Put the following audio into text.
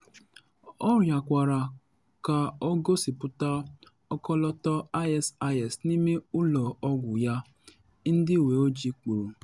Ọ rịọkwara ka o gosipụta ọkọlọtọ ISIS n’ime ụlọ ọgwụ ya, ndị uwe ojii kwuru.